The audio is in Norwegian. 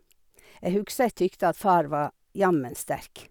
Jeg husker jeg tykte at far var jammen sterk.